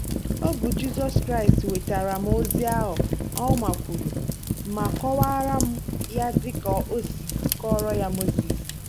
Ọ bụ Jisọs Kraịstị wetara m ozi a, Ouma kwuru , ma kọwaara m ya dị ka o si kọọrọ ya Mosis.